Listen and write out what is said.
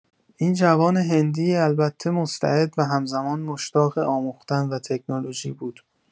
این جوان هندی البته مستعد و همزمان مشتاق آموختن و تکنولوژی بود.